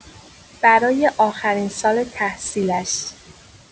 برای آخرین سال تحصیلش